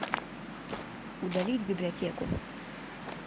удалить библиотеку